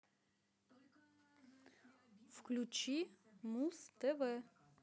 включи муз тв